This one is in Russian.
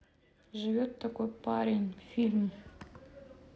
живет такой парень фильм